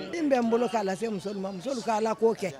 Den bɛ n bolo k'a lase musolu ma musolu ka Alako kɛ